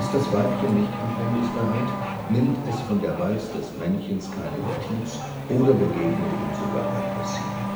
das Weibchen nicht empfängnisbereit, nimmt es von der Balz des Männchens keine Notiz oder begegnet ihm sogar aggressiv